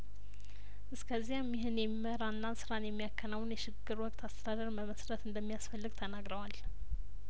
እስከዚያም ይህን የሚመራና ስራን የሚያከናውን የሽግግር ወቅት አስተዳደር መመስረት እንደሚያስፈልግ ተናግረዋል